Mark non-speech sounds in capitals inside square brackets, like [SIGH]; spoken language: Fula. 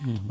[HESITATION] [HESITATION]